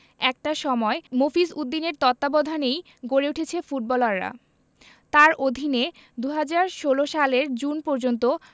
একটা সময় মফিজ উদ্দিনের তত্ত্বাবধানেই গড়ে উঠেছে ফুটবলাররা তাঁর অধীনে ২০১৬ সালের জুন পর্যন্ত